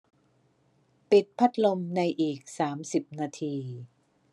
ปิดพัดลมในอีกสามสิบนาที